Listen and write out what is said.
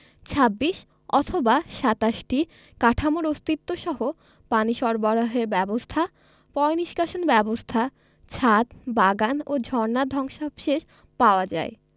২৬ অথবা ২৭টি কাঠামোর অস্তিত্বসহ পানি সরবরাহের ব্যবস্থা পয়োনিষ্কাশন ব্যবস্থা ছাদ বাগান ও ঝর্ণার ধ্বংসাবশেষ পাওয়া যায়